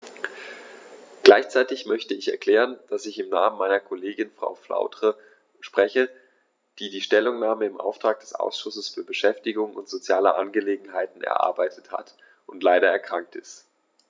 Gleichzeitig möchte ich erklären, dass ich im Namen meiner Kollegin Frau Flautre spreche, die die Stellungnahme im Auftrag des Ausschusses für Beschäftigung und soziale Angelegenheiten erarbeitet hat und leider erkrankt ist.